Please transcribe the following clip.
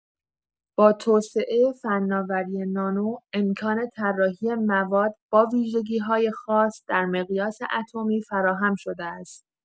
با توسعه فناوری نانو، امکان طراحی مواد با ویژگی‌های خاص در مقیاس اتمی فراهم شده است.